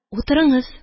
Утырыңыз